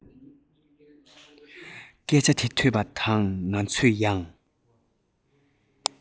སྐད ཆ དེ ཐོས པ དང ང ཚོ ཡང